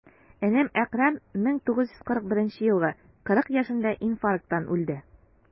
Энем Әкрам, 1941 елгы, 40 яшендә инфаркттан үлде.